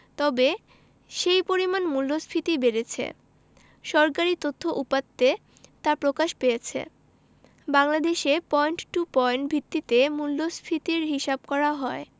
তবে সেই পরিমাণ মূল্যস্ফীতি বেড়েছে সরকারি তথ্য উপাত্তে তা প্রকাশ পেয়েছে বাংলাদেশে পয়েন্ট টু পয়েন্ট ভিত্তিতে মূল্যস্ফীতির হিসাব করা হয়